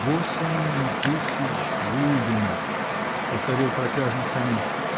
-- Восемь тысяч гульденов, -- повторил протяжно Санин.